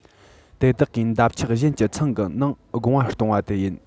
དེ དག གིས འདབ ཆགས གཞན གྱི ཚང གི ནང སྒོ ང གཏོང བ དེ ཡིན